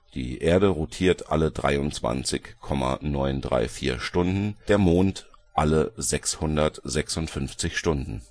die Erde rotiert alle 23,934 Stunden, der Mond alle 656 Stunden